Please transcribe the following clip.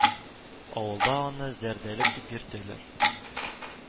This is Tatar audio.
Авылда аны Зәрдәлек дип йөртәләр